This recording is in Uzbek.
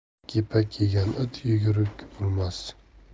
kepak yegan it yuguruk bo'lmas